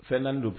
Fɛnnan don